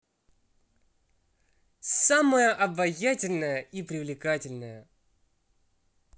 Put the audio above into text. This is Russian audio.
самая обязательная и привлекательная